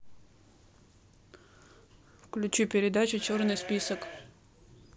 включи передачу черный список